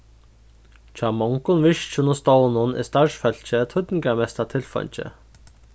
hjá mongum virkjum og stovnum er starvsfólkið týdningarmesta tilfeingið